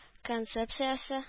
Концепциясе